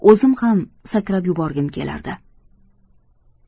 o'zim ham sakrab yuborgim kelardi